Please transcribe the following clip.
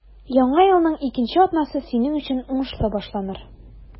Яңа елның икенче атнасы синең өчен уңышлы башланыр.